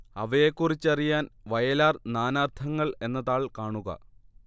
അവയെക്കുറിച്ചറിയാൻ വയലാർ നാനാർത്ഥങ്ങൾ എന്ന താൾ കാണുക